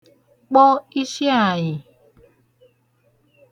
kpọ ishiànyị̀